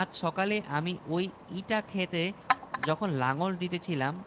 আসিয়া সে বউ এর কাছে খাইতে চাহিল বউ একথালা ভাত আর কয়েকটা মরিচ পোড়া আনিয়া